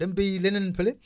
dem bayi leneen fële